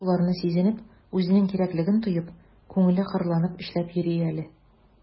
Шуларны сизенеп, үзенең кирәклеген тоеп, күңеле кырланып эшләп йөри әле...